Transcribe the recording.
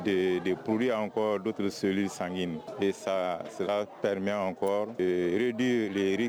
De de pourris encore d'autres cellules sanguines et ça cela permet encore de réduire le ryt